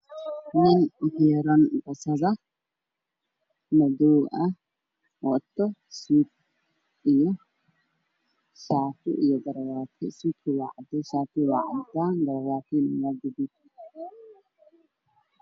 Waa xaflad waxaa fadhiya niman fara badan waxaa ii muuqda nin wata suud caddaan madaxiisa waa madow